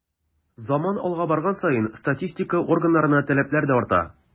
Заман алга барган саен статистика органнарына таләпләр дә арта.